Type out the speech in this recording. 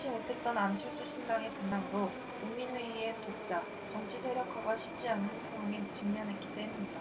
예상치 못했던 안철수 신당의 등장으로 국민회의의 독자 정치세력화가 쉽지 않은 상황에 직면했기 때문이다